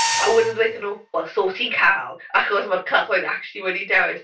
A wedyn dweud wrthyn nhw "wel so ti'n cael achos mae'r cyhoedd acshyli wedi dewis."